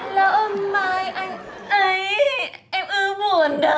lỡ mai anh ấy em